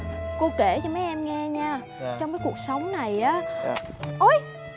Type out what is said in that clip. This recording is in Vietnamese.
cô kể cho mấy em nghe nha dạ trong cái cuộc sống này á dạ úi